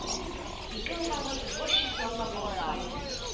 Ике ломовой извозчик яллап алып кайт!